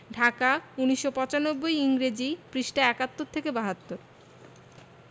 ঢাকা ১৯৯৫ ইংরেজি পৃঃ ৭১-৭২